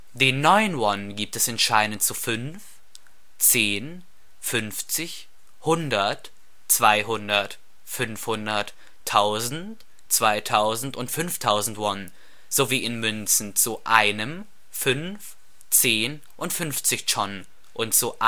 Den neuen Won gibt es in Scheinen zu 5, 10, 50, 100, 200, 500, 1000, 2000 und 5000 Won sowie in Münzen zu 1, 5, 10 und 50 Chŏn und zu 1